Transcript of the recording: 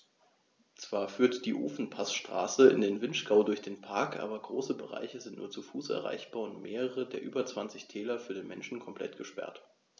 Zwar führt die Ofenpassstraße in den Vinschgau durch den Park, aber große Bereiche sind nur zu Fuß erreichbar und mehrere der über 20 Täler für den Menschen komplett gesperrt.